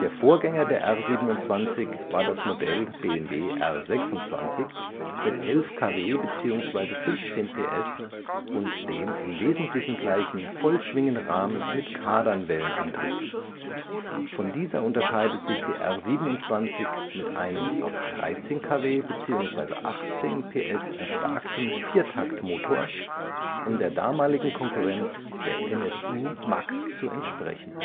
Vorgänger der R 27 war das Modell BMW R 26 mit 11 kW/15 PS und dem im Wesentlichen gleichen Vollschwingenrahmen mit Kardanwellenantrieb. Von dieser unterscheidet sich die R 27 mit einem auf 13 kW/18 PS erstarkten Viertaktmotor, um der damaligen Konkurrenz der NSU Max zu entsprechen